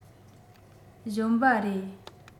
གཞོན པ རེད